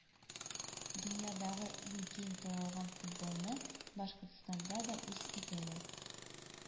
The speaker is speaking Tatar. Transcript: Дөньядагы иң киң таралган футболны Башкортстанда да үз итәләр